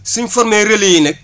suñ former relais yi nag